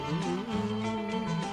San